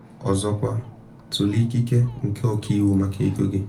Ọzọkwa, tụlee ikike nke ọkaiwu maka ego gị.